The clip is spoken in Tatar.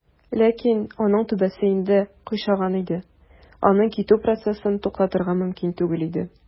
Ләкин аның түбәсе инде "кыйшайган" иде, аның китү процессын туктатырга мөмкин түгел иде.